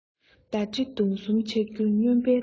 མདའ གྲི མདུང གསུམ འཕྱར རྒྱུ སྨྱོན པའི ལས